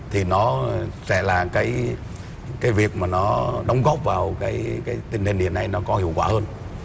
thì nó sẽ là cái cái việc mà nó đóng góp vào cái cái tình hình hiện nay nó có hiệu quả hơn